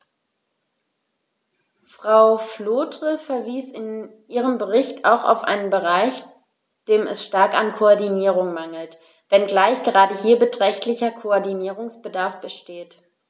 Frau Flautre verwies in ihrem Bericht auch auf einen Bereich, dem es stark an Koordinierung mangelt, wenngleich gerade hier beträchtlicher Koordinierungsbedarf besteht.